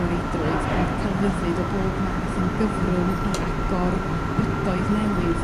o reidrwydd ond celfyddyd o bob math yn gyfrwng i agor bydoedd newydd